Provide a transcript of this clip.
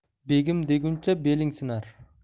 begim deguncha beling sinar